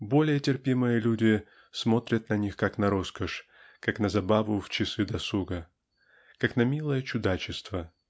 более терпимые люди смотрят на них как на роскошь как на забаву в часы досуга как на милое чудачество